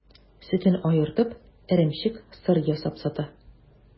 Сөтен аертып, эремчек, сыр ясап сата.